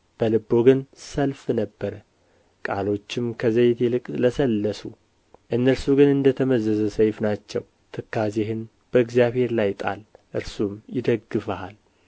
በልቡ ግን ሰልፍ ነበረ ቃሎቹም ከዘይት ይልቅ ለሰለሱ እነርሱ ግን እንደ ተመዘዘ ሰይፍ ናቸው ትካዜህን በእግዚአብሔር ላይ ጣል እርሱም ይደግፍሃል